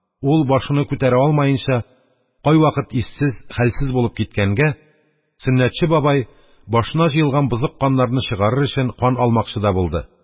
Ул башыны күтәрә алмаенча, кайвакыт иссез, хәлсез булып киткәнгә, Сөннәтче бабай башына җыелган бозык каннарны чыгарыр өчен кан алмакчы да булды.